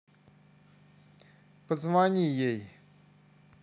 позвони ей